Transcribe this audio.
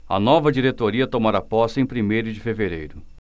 a nova diretoria tomará posse em primeiro de fevereiro